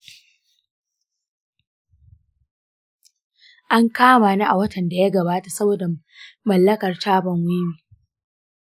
an kama ni a watan da ya gabata saboda mallakar tabar wiwi.